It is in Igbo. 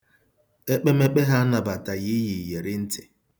Ekpemekpe ha anabataghị iyi iyeri ntị.